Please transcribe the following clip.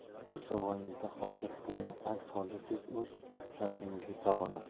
o'z sovg'angizda hozir bo'ling aks holda siz o'z hayotingizni sog'inasiz